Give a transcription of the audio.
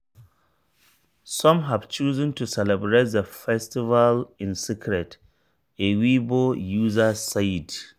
Some have chosen to celebrate the festival in secret. A Weibo user said: